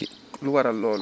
lu waral lolu ?